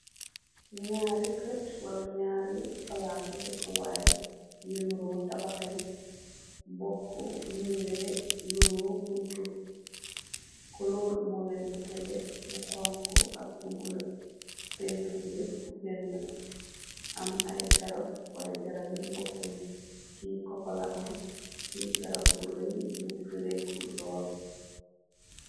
ñaari kët wala ñaari palaasu dëkkwaay yu nuro tabaxen bokk nire nuro buntu kolóor mooleen utale bu xonk ak bu bula pentur yépp benn la am ay garab waay garabyi bokk ci kokola am ci garab bu rëy bu fireeku lool.